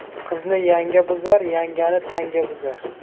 qizni yanga buzar yangani tanga buzar